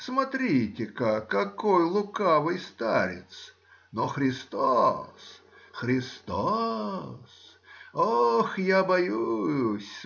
Смотрите-ка, какой лукавый старец, но Христос. Христос. Ох, я боюсь!